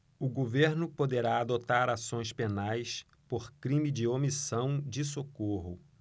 o governo poderá adotar ações penais por crime de omissão de socorro